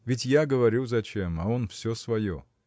– Ведь я говорю зачем, а он все свое!